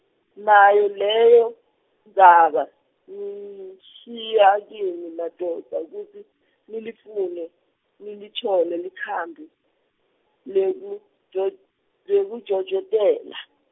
nayo leyo Ndzaba ngiyishiya kini madvodza kutsi nilifune nilitfole likhambi lekujot-, lekujojotela.